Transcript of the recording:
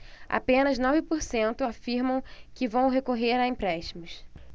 apenas nove por cento afirmam que vão recorrer a empréstimos